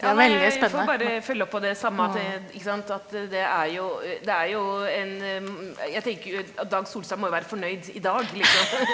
ja nei jeg får bare følge opp på det samme at ikke sant at det er jo det er jo en jeg tenker at Dag Solstad må jo være fornøyd i dag liksom.